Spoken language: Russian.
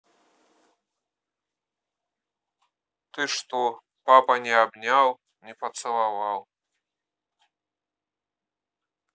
ты что папа не обнял не поцеловал